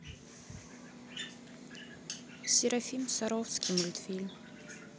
серафим саровский мультфильм